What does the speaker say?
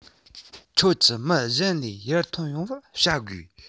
ཁྱོད ཀྱིས མི གཞན ལས ཡར ཐོན ཡོང བར བྱ དགོས